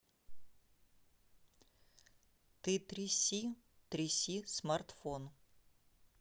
ты тряси тряси смартфон